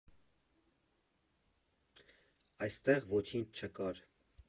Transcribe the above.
Այստեղ ոչինչ չկար։